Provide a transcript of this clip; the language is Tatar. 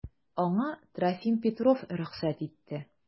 Аңа Трофим Петров рөхсәт итте.